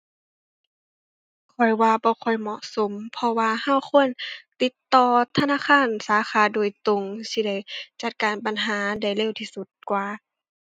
ข้อยว่าบ่ค่อยเหมาะสม เพราะว่าเราควรติดต่อธนาคารสาขาโดยตรง สิได้จัดการปัญหาได้เร็วที่สุดกว่า